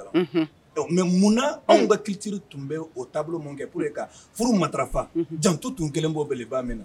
Mɛ munna anw ka kitiriri tun bɛ o taabolo mun kɛ walasa furu matarafa jantu tun kelen bɔelebaa min na